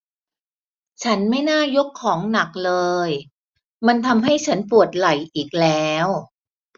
ฉันไม่น่ายกของหนักเลยมันทำให้ฉันปวดไหล่อีกแล้ว